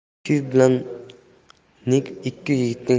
kiv bilan nig ikki yigitning